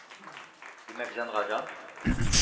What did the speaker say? — димәк, җанга — җан?